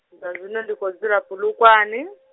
zwa zwino ndi khou dzula Polokwane.